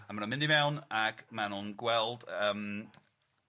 A ma' nw'n mynd i fewn ac ma' nw'n gweld yym